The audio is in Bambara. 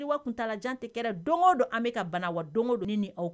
N ko kuntaala jan tɛ kɛ don o don an bɛ ka bana wa don don ne ni aw